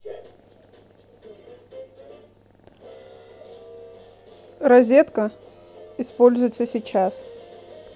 розетка используется сейчас